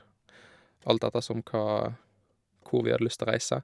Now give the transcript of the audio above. Alt ettersom hva hvor vi hadde lyst å reise.